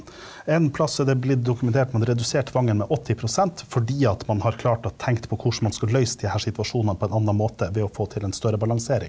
en plass så er det blitt dokumentert man reduserer tvangen med 80% fordi at man har klart og tenkt på hvordan man skal løyse de her situasjonene på en anna måte ved å få til en større balansering.